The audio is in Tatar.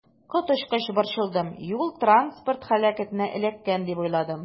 Коточкыч борчылдым, юл-транспорт һәлакәтенә эләккән дип уйладым.